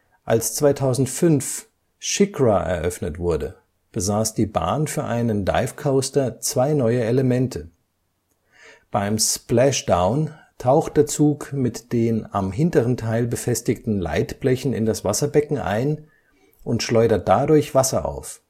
Als 2005 SheiKra eröffnet wurde, besaß die Bahn für einen Dive Coaster zwei neue Elemente. Beim Splashdown taucht der Zug mit den am hinteren Teil befestigten Leitblechen in das Wasserbecken ein und schleudert dadurch Wasser auf